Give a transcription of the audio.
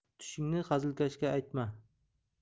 tushingni hazilkashga aytma